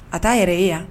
A t'a yɛrɛ ye yan